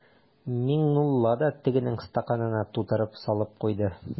Миңнулла да тегенең стаканына тутырып салып куйды.